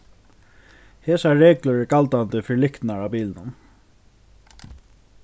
hesar reglur eru galdandi fyri lyktirnar á bilinum